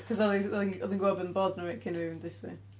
Achos oedd hi'n oedd hi'n gwybod be oedd yn bod arna fi cyn i fi even deutha hi.